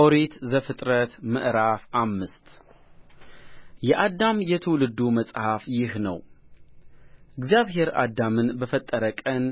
ኦሪት ዘፍጥረት ምዕራፍ አምስት የአዳም የትውልዱ መጽሐፍ ይህ ነው እግዚአብሔር አዳምን በፈጠረ ቀን